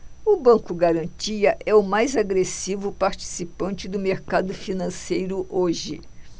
o banco garantia é o mais agressivo participante do mercado financeiro hoje